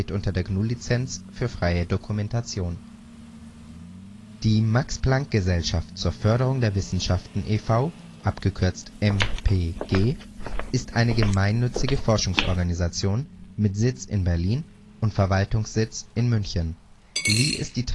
unter der GNU Lizenz für freie Dokumentation. Datei:Max-Planck-Gesellschaft.svg Minerva als Logo der MPG Generalverwaltung der MPG, München Eingang zur Generalverwaltung Die Max-Planck-Gesellschaft zur Förderung der Wissenschaften e. V. (MPG) ist eine gemeinnützige Forschungsorganisation mit Sitz in Berlin und Verwaltungssitz in München. Sie ist die Trägergesellschaft